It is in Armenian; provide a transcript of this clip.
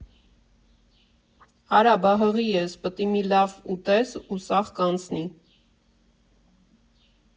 Արա բա հղի ես, պտի մի լա՜վ ուտես, ու սաղ կանցնի։